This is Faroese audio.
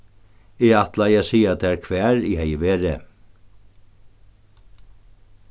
eg ætlaði at siga tær hvar eg hevði verið